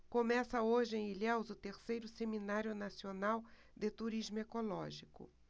começa hoje em ilhéus o terceiro seminário nacional de turismo ecológico